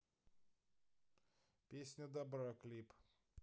песня дабра клип